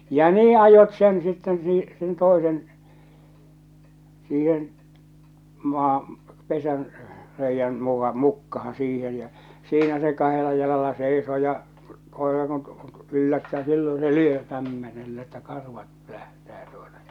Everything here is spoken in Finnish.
ja niin ajoivat sen sitten - sen toisen siihen maa pesän reiän - mukaan siihen ja siinä se kahdella jalalla seisoo ja koira kun - yllättää silloin se lyö kämmenellä että karvat pölähtää tuota ja